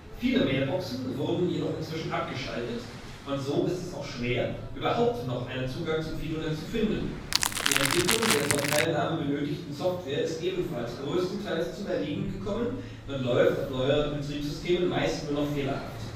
Viele Mailboxen wurden jedoch inzwischen abgeschaltet und so ist es auch schwer, überhaupt noch einen Zugang zum FidoNet zu finden. Die Entwicklung der zur Teilnahme benötigten Software ist ebenfalls größtenteils zum Erliegen gekommen und läuft auf neueren Betriebssystemen meist nur noch fehlerhaft